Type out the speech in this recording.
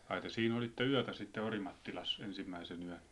ai te siinä olitte yötä sitten Orimattilassa ensimmäisen yön